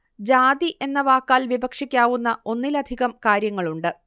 ജാതി എന്ന വാക്കാൽ വിവക്ഷിക്കാവുന്ന ഒന്നിലധികം കാര്യങ്ങളുണ്ട്